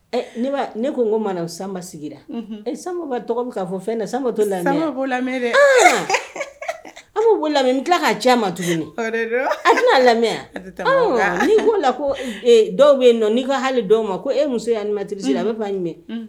Ne ko ko mana sanba sigira e sanba tɔgɔ min'a fɔ fɛn na santɔ la a lam n tila k kaa cɛ ma tuguni a n'a lamɛn n'i'o la ko dɔw bɛ nɔ n'i ka hali dɔw ma ko e muso ye matisi la bɛ ba nci